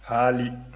haali